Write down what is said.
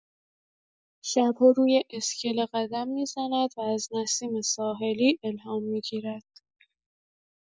شب‌ها روی اسکله قدم می‌زند و از نسیم ساحلی الهام می‌گیرد.